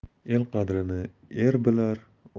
el qadrini er bilar